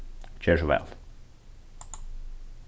ger so væl